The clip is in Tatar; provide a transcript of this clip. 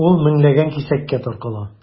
Ул меңләгән кисәккә таркала.